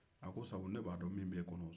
a ko sabu ne b'a dɔn min bɛ e kɔnɔ woo